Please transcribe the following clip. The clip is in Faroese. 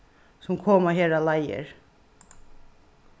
sum koma her á leiðir